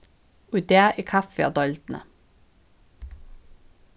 í dag er kaffi á deildini